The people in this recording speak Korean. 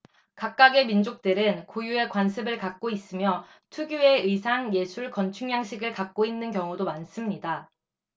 각각의 민족들은 고유의 관습을 갖고 있으며 특유의 의상 예술 건축 양식을 갖고 있는 경우도 많습니다